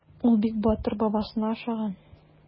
Ул бик батыр, бабасына охшаган.